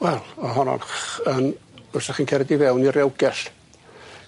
Wel o' honno'n ch- yn fel 'sach chi'n cered i fewn i rewgell